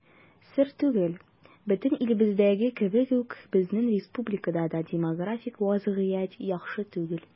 Сер түгел, бөтен илебездәге кебек үк безнең республикада да демографик вазгыять яхшы түгел.